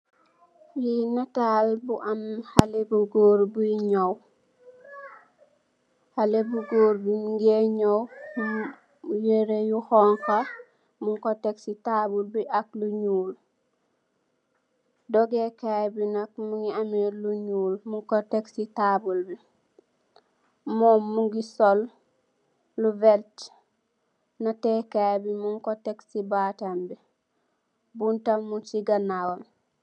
Lii nataal bu am xalé bu goor buy ñaw, xalé bu goor bu mu ngëë ñaw, yiree yu xoñga, muñg ko Tek si taabul bi, ak lu ñuul. Doggee kaay bi nak mu ngi am lu ñuul, mung ko tek si kow taabul bi. Mom mu ngi sol vértë, natee kaay bi mung ko tek si baatam bi, buntam muñg si ganaaw.